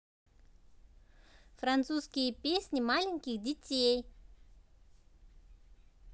французские песни маленьких детей